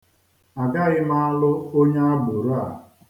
Agaghị m alụ onye agboro a.